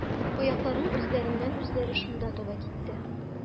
Аякларым үзләреннән-үзләре шунда таба китте.